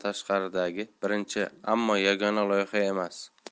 tashqaridagi birinchi ammo yagona loyiha emas